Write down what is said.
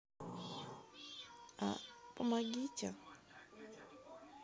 а помогите